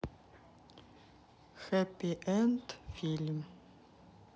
хэппи энд фильм